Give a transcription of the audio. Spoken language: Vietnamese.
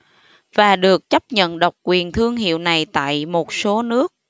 và được chấp nhận độc quyền thương hiệu này tại một số nước